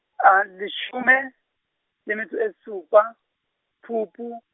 a leshome, le metso e supa, Phupu.